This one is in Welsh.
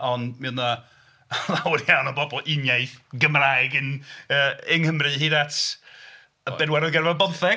Ond mi oedd 'na lawer iawn o bobl uniaith Gymraeg yn yy yng Nghymru, hyd at y bedwaredd ganrif ar 15.